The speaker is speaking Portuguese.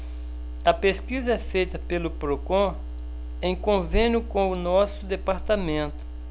a pesquisa é feita pelo procon em convênio com o diese